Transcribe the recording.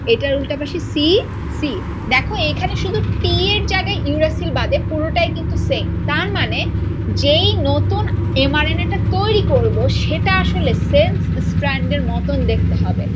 এটার উল্টাপাশে C C দেখো এখানে শুধু টি এর জায়গায় ইউরাসিল বাদে পুরোটা কিন্তু সেইম তার মানে যেই নতুন এম আর এন এটা তৈরি করব সেটা আসলে সেন্স স্ট্র্যান্ড এর মতন দেখতে হবে